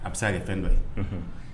A bɛ se a kɛ fɛn dɔ ye